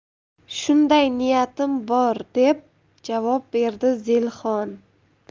shunday niyatim bor deb javob berdi zelixon